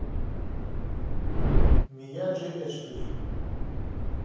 miyagi эндшпиль